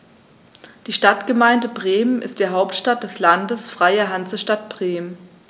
Die Stadtgemeinde Bremen ist die Hauptstadt des Landes Freie Hansestadt Bremen.